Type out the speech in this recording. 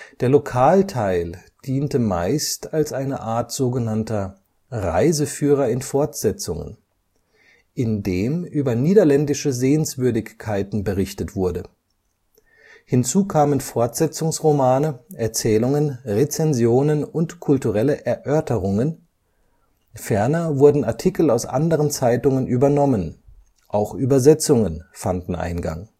Der Lokalteil diente meist als eine Art „ Reiseführer in Fortsetzungen “(Gabriele Hoffmann), in dem über niederländische Sehenswürdigkeiten berichtet wurde. Hinzu kamen Fortsetzungsromane, Erzählungen, Rezensionen und kulturelle Erörterungen, ferner wurden Artikel aus anderen Zeitungen übernommen, auch Übersetzungen fanden Eingang